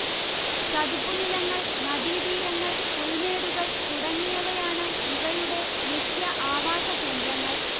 ചതുപ്പുനിലങ്ങൾ നദീതീരങ്ങൾ പുൽമേടുകൾ തുടങ്ങിയവയാണ് ഇവയുടെ മുഖ്യ ആവാസകേന്ദ്രങ്ങൾ